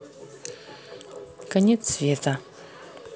конец света